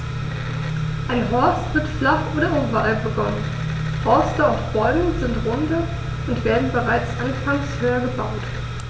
Ein Horst wird flach und oval begonnen, Horste auf Bäumen sind runder und werden bereits anfangs höher gebaut.